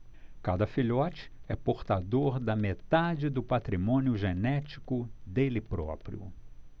cada filhote é portador da metade do patrimônio genético dele próprio